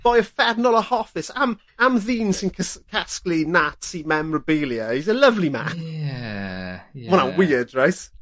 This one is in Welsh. boi uffernol o hoffus. Am am ddyn sy'n cys- casglu Nazi memorabilia he's a lovely man. Ie. Ie. Ma wnna'n woerd reit?